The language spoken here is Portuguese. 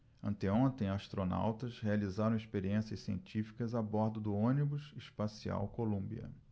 anteontem astronautas realizaram experiências científicas a bordo do ônibus espacial columbia